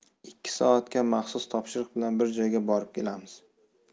ikki soatga maxsus topshiriq bilan bir joyga borib kelamiz